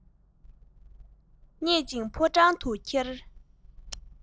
ཪྙེད ཅིང ཕོ བྲང དུ ཁྱེར